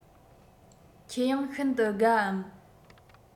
ཁྱེད ཡང ཤིན ཏུ དགའ འམ